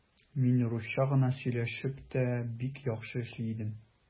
Мин русча гына сөйләшеп тә бик яхшы эшли идем.